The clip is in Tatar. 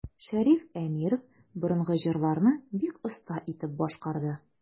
Шәриф Әмиров борынгы җырларны бик оста итеп башкарды.